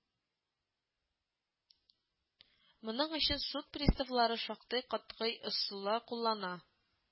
Моның өчен суд приставлары шактый катгый ысуллар куллана